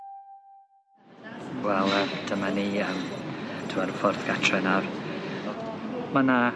Wel yy dyma ni yym dwi ar y ffordd gatre nawr. Ma 'na